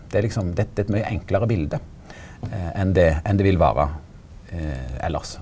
det er liksom det er eit mykje enklare bilde enn det enn det vil vera elles.